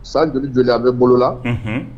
San joli joli a be bolola unhun